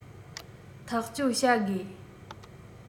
ཐག གཅོད བྱ དགོས